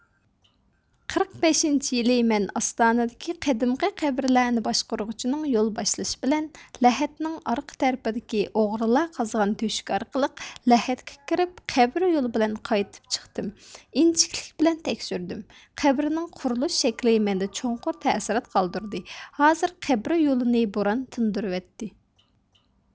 قىرىق بەشىنچى يىلى مەن ئاستانىدىكى قەدىمقى قەبرىلەرنى باشقۇرغۇچىنىڭ يول باشلىشى بىلەن لەھەتنىڭ ئارقا تەرىپىدىكى ئوغرىلار قازغان تۆشۈك ئارقىلىق لەھەتكە كىرىپ قەبرە يولى بىلەن قايتىپ چىقتىم ئىنچىكىلىك بىلەن تەكشۈردۈم قەبرىنىڭ قۇرۇلۇش شەكلى مەندە چوڭقۇر تەسىرات قالدۇردى ھازىر قەبرە يولىنى بوران تىندۇرۇۋەتتى